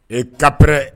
Ee kaprɛ